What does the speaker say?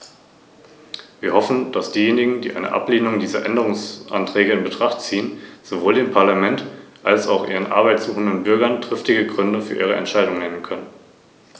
Die Armut in Wales nimmt weiter zu, wobei sie seit 1997 besonders stark ansteigt.